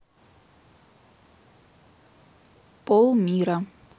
пол мира